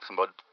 chmbod